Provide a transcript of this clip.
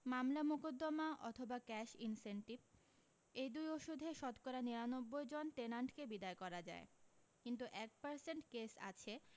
মামলা মোকদ্দমা অথবা ক্যাশ ইন্সেন্টিভ এই দুই ওষুধে শতকরা নিরানব্বই জন টেনাণ্টকে বিদায় করা যায় কিন্তু এক পার্সেণ্ট কেস আছে